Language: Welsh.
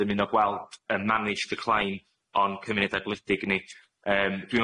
dymuno gweld yy Managed Decline o'n cymuneda gwledig ni yym dwi